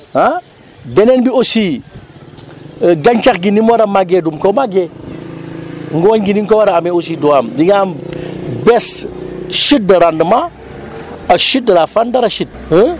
ah beneen bi aussi gàncax gi ni mu war a màggee du ko màggee ngooñ gi ni nga ko war a amee aussi du am di nga am baisse chute de rendement ak chute de la fane d' arachide